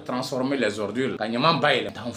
Transformer les ordures ka ɲaman bayɛlɛma